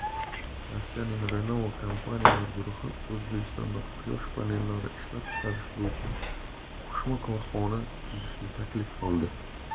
rossiyaning renova kompaniyalar guruhi o'zbekistonda quyosh panellari ishlab chiqarish bo'yicha qo'shma korxona tuzishni taklif qildi